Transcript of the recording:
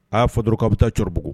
A' fɔ dɔrɔn ko' bɛ taa cbugu